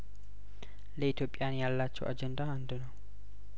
ለኢትዮጵያን ያላቸው አጀንዳ አንድ ነው